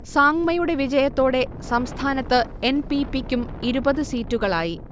സാങ്മയുടെ വിജയത്തോടെ സംസ്ഥാനത്ത്എൻ. P. P. ക്കും ഇരുപത് സീറ്റുകളായി